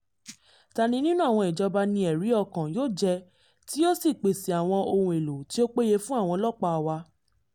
Tani nínú àwọn ìjọba ni ẹ̀rí ọkàn yóò jẹ́ tí yóò sì pèsè àwọn ohun èlò tí ó péye fún àwọn ọlọ́pàá wa?